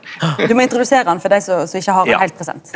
du må introdusera han for dei som som ikkje har han heilt present.